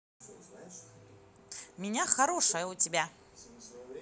меня хорошая у тебя